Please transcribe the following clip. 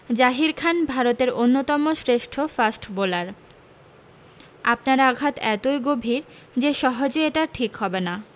জাহির খান ভারতের অন্যতম শ্রেষ্ঠ ফাস্ট বোলার আপনার আঘাত এতোই গভীর যে সহজে এটা ঠিক হবে না